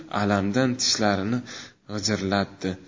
alam dan tishlarini g'ijirlatdi